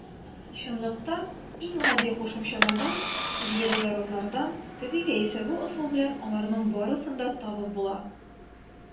Чынлыкта иң гади кушылмалардан - углеводородлардан теге яисә бу ысул белән аларның барысын да табып була.